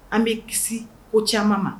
An bɛ kisi o caman ma